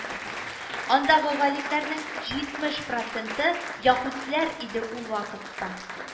Андагы галимнәрнең җитмеш проценты яһүдләр иде ул вакытта